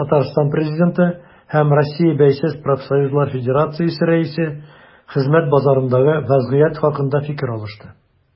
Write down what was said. Татарстан Президенты һәм Россия Бәйсез профсоюзлар федерациясе рәисе хезмәт базарындагы вәзгыять хакында фикер алышты.